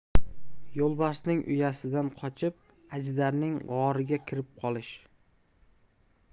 yo'lbarsning uyasidan qochib ajdarning g'origa kirib qolish